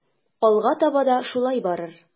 Алга таба да шулай барыр.